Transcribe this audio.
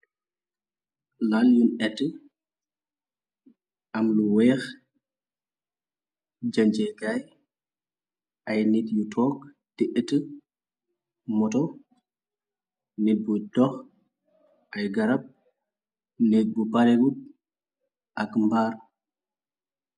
Laal yun etti am lu weex janjekaay ay nit yu took te ët moto nit bu dox ay garab nét bu paregut ak mbaar.